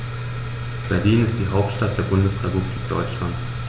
Berlin ist die Hauptstadt der Bundesrepublik Deutschland.